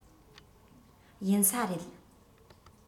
ཡིན ས རེད